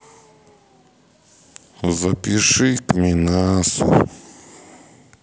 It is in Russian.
запиши к минасу